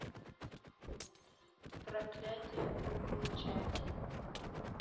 проклятие куклы чаки